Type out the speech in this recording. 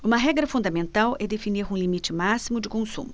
uma regra fundamental é definir um limite máximo de consumo